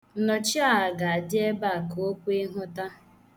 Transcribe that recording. Nnọchiaha ga-adị ebe a ka o kwee nghọta.